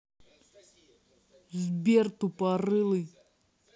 сбер тупорылый